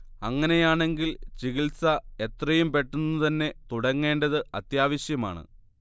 അങ്ങനെയാണെങ്കിൽ ചികിത്സ എത്രയും പെട്ടെന്നു തന്നെ തുടങ്ങേണ്ടത് അത്യാവശ്യമാണ്